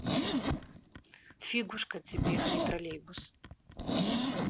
фигушка тебе а не троллейбус